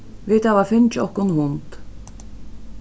vit hava fingið okkum hund